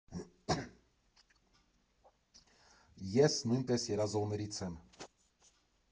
Ես նույնպես երազողներից եմ։